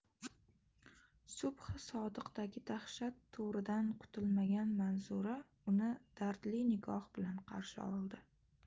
subhi sodiqdagi dahshat to'ridan qutilmagan manzura uni dardli nigoh bilan qarshi oldi